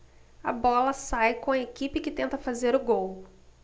a bola sai com a equipe que tenta fazer o gol